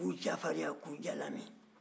u b'u ja farinya k'u ja lamin